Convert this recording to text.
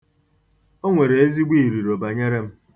O nwere ezigbo iruro banyere m.